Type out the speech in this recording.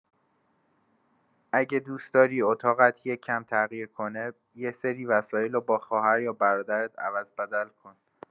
اگه دوس داری اتاقت یه کم تغییر کنه، یه سری وسایلو با خواهر یا برادرت عوض‌بدل کن.